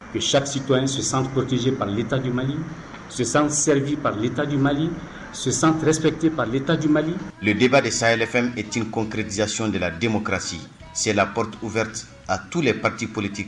U supsi dɔ sonsanptee parilita di mali sonsan riti parrilitati mali sonsan respte parlitati malili le deba de saylɛfɛnetɔnpredsion de la denkarasi senla pte uɛrite a tu la pariti polite